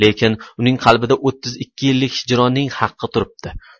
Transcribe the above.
lekin uning qalbida o'ttiz ikki yillik hijronning haqqi turibdi